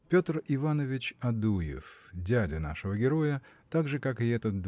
Петр Иванович Адуев дядя нашего героя так же как и этот